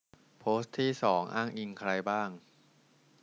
โพสต์ที่สองอ้างอิงใครบ้าง